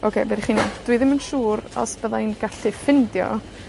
Oce be' 'dych chi'n... Dwi ddim yn siŵr os bydda i'n gallu ffindio